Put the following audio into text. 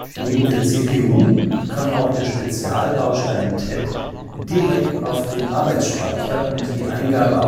Neben der CPU kann auch der Spezialbaustein TED direkt auf den Arbeitsspeicher und die Eingabe